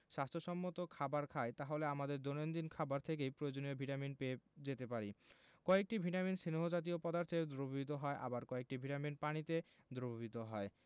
স্বাস্থ্য সম্মত খাবার খাই তাহলে আমাদের দৈনন্দিন খাবার থেকেই প্রয়োজনীয় ভিটামিন পেয়ে যেতে পারি কয়েকটি ভিটামিন স্নেহ জাতীয় পদার্থে দ্রবীভূত হয় আবার কয়েকটি ভিটামিন পানিতে দ্রবীভূত হয়